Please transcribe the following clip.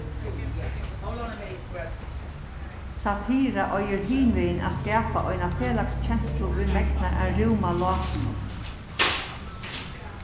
satira eigur hinvegin at skapa eina felags kenslu ið megnar at rúma látrinum